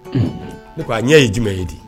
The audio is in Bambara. Ko ɲɛ ye jum ye di